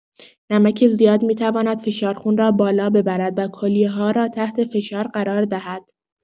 نمک زیاد می‌تواند فشار خون را بالا ببرد و کلیه‌ها را تحت فشار قرار دهد.